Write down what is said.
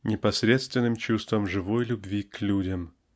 непосредственным чувством живой любви к людям.